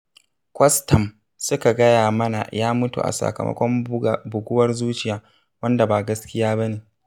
Kwastam suka gaya mana ya mutu a sakamakon buguwar zuciya, wanda ba gaskiya ba ne.